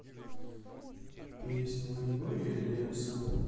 песня григория лепса